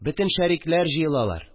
Бөтен шәрикләр җыелалар